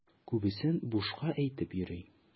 Күбесен бушка әйтеп йөри.